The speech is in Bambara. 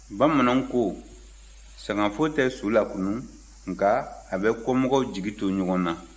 bamananw ko sangafo tɛ su lakunun nka a bɛ kɔmɔgɔw jigi to ɲɔgɔn na